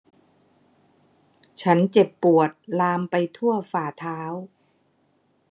ฉันเจ็บปวดลามไปทั่วฝ่าเท้า